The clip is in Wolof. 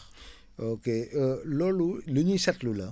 ok loolu lu ñuy seetlu la